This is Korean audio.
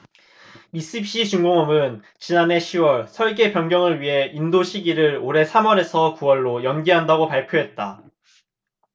미쓰비시 중공업은 지난해 시 월 설계 변경을 위해 인도시기를 올해 삼 월에서 구 월로 연기한다고 발표했다